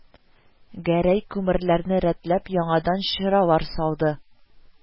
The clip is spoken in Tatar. Гәрәй күмерләрне рәтләп, яңадан чыралар салды